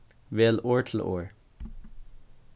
vel orð til orð